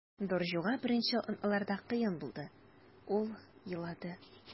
Доржуга беренче атналарда кыен булды, ул елады.